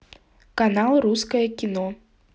канал русское кино